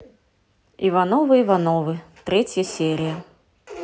ивановы ивановы третья серия